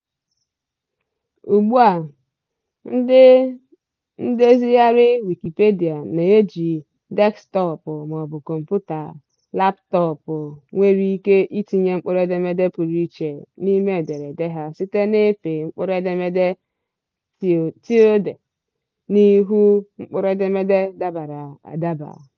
Ugbua ndị ndezigharị Wikipedia na-eji desktọpụ maọbụ kọmpụta laptọọpụ nwere ike itinye mkpụrụedemede pụrụ iche n'ime ederede ha site n'ịpị mkpụrụedemede tilde (~) n'ihu mkpụrụedemede dabara adaba.